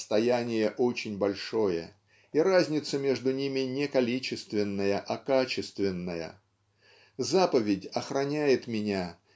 расстояние очень большое, и разница между ними не количественная, а качественная заповедь охраняет меня